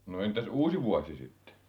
no entäs uusi vuosi sitten